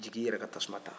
jigin i yɛrɛ ka tasuma ta